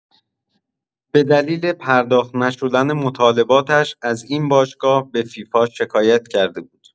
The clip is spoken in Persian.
به دلیل پرداخت نشدن مطالباتش از این باشگاه به فیفا شکایت کرده بود.